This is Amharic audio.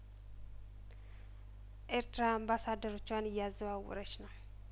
ኤርትራ አምባሳደሮቿን እያዘዋወረች ነው